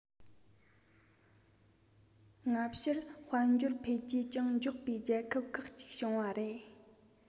སྔ ཕྱིར དཔལ འབྱོར འཕེལ རྒྱས ཅུང མགྱོགས པའི རྒྱལ ཁབ ཁག ཅིག བྱུང བ རེད